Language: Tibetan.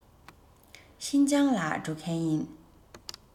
ཤིན ཅང ལ འགྲོ མཁན ཡིན